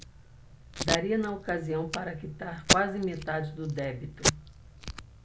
daria na ocasião para quitar quase metade do débito